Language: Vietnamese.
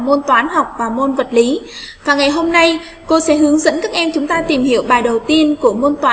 làm môn toán học và môn vật lý vào ngày hôm nay cô sẽ hướng dẫn các em chúng ta tìm hiểu bài đầu tiên của môn